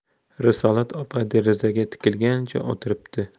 risolat opa derazaga tikilgancha o'tiribdi